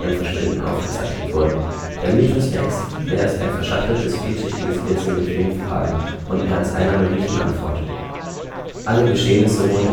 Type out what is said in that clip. Verschwinden aufgezeichnet wurden. Der Mythos der Hexe von Blair ist ein verschachteltes, vielschichtiges Rätsel mit vielen Fragen – und mehr als einer möglichen Antwort. Alle Geschehnisse rund